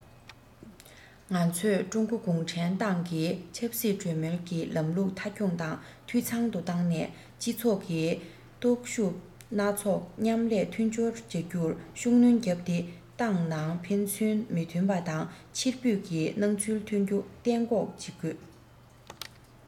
ང ཚོས ཀྲུང གོ གུང ཁྲན ཏང གིས ཆབ སྲིད གྲོས མོལ གྱི ལམ ལུགས མཐའ འཁྱོངས དང འཐུས ཚང དུ བཏང ནས སྤྱི ཚོགས ཀྱི སྟོབས ཤུགས སྣ ཚོགས མཉམ ལས མཐུན སྦྱོར བྱ རྒྱུར ཤུགས སྣོན བརྒྱབ སྟེ ཏང ནང ཕན ཚུན མི མཐུན པ དང ཕྱིར འབུད ཀྱི སྣང ཚུལ ཐོན རྒྱུ གཏན འགོག བྱེད དགོས